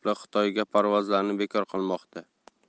sababli xitoyga parvozlarni bekor qilmoqda